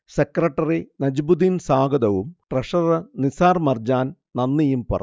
secretary Najmuddin സ്വാഗതവും treasurer Nisar Marjan നന്ദിയും പറഞ്ഞു